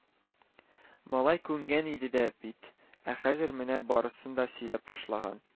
Малай күнгән иде дә бит, ә хәзер менә барысын да сөйләп ташлаган